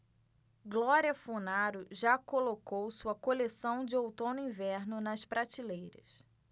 glória funaro já colocou sua coleção de outono-inverno nas prateleiras